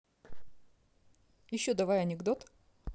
еще давай анекдот